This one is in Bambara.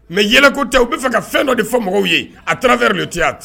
Mɛ yɛlɛ kotɛ u b bɛa fɛ ka fɛn dɔ de fɔ mɔgɔw ye a taara fɛtiya